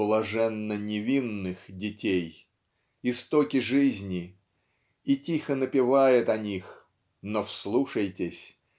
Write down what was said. "блаженно-невинных детей" истоки жизни и тихо напевает о них но вслушайтесь